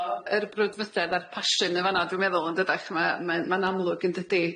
Teimlo yr brwdfrydedd a'r passion yn fanna dwi'n meddwl yn dydach, ma' ma'n ma'n amlwg yn dydi,